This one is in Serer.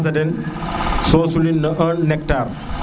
um jaxasa den so sulil no 1 hectar